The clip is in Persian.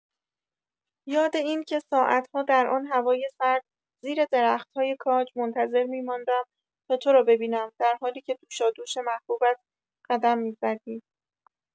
یاد این که ساعت‌ها در آن هوای سرد زیر درخت‌های کاج منتظر می‌ماندم تا تو را ببینم در حالی که دوشادوش محبوبت قدم می‌زدی.